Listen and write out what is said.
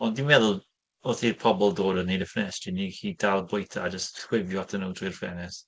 Ond dwi'n meddwl wrth i'r pobl dod a wneud y ffenestri, ni'n gallu dal bwyta a jyst chwifio atyn nhw trwy'r ffenest.